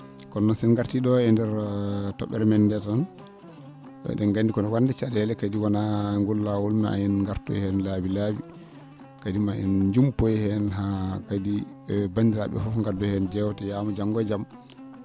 kono noon si en ngartii ?o e ndeer to??ere men ndee tan e?en nganndi kode wande ca?eele kadi wonaa ngol laawol ma en ngartu heen laabi laabi kadi ma en jumpoyo heen han kadi e banndiraa?e fof gaddoya heen jewtoyama janngo e jam